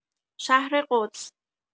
شهر قدس